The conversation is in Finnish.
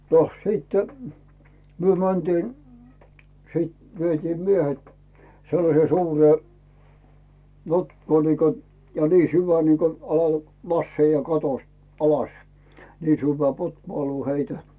no sitten me mentiin sitten vietiin miehet sellaiseen suureen notkoon niin kuin ja niin syvä niin kuin alas laskeutua katosta alas niin syvään pothuoluun heitä